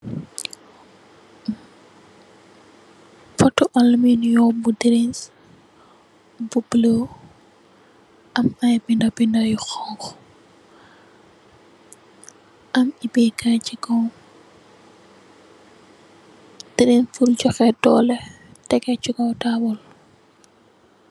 Poti alminium bu drinks, bu bulo am ay binde binde yu xonxu, am opekaay si kaw, drink pur joxe dole, tegge si kaw taabul.